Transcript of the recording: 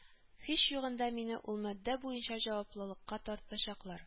Һичьюгында мине ул мәддә буенча җаваплылыкка тартачаклар